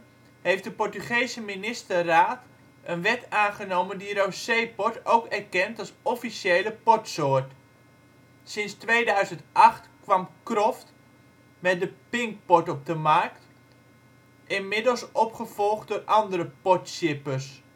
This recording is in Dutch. Portugese ministerraad een wet aangenomen die rosé port ook erkent als officiële portsoort. Sinds 2008 kwam Croft met de Pink port op de markt, inmiddels opgevolgd door andere portshippers